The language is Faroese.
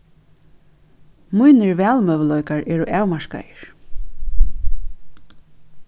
mínir valmøguleikar eru avmarkaðir